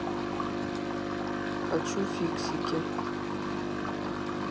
хочу фиксики